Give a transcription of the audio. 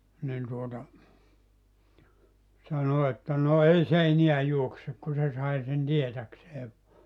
niin tuota sanoi että no ei se enää juokse kun se sai sen tietääkseen vain